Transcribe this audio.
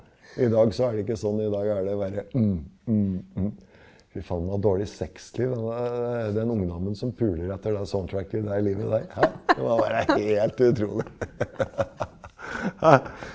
i dag så er det ikke sånn, i dag er det bare fy faen dem har dårlig sexliv dem den ungdommen som puler etter det soundtracket det livet der ja det var bare helt utrolig .